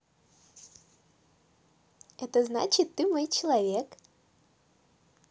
это значит ты мой человек